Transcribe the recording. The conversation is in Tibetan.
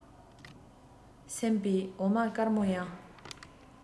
སེམས པས འོ མ དཀར པོ ཡང